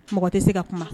Mɔgɔ tɛ se ka kuma